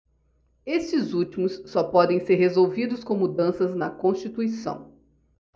estes últimos só podem ser resolvidos com mudanças na constituição